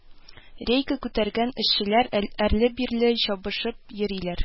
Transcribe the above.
Рейка күтәргән эшчеләр әрле-бирле чабышып йөри